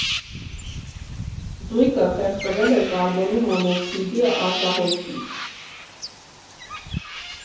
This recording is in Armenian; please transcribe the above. Զույգը խեղդվել էր կարբոնի մոնոքսիդի արտահոսքից։